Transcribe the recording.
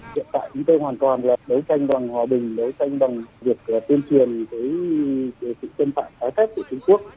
hiện tại chúng tôi hoàn toàn lực để cân bằng hòa bình đấu tranh bằng việc tuyên truyền với y bình thuận ở cấp sự trung quốc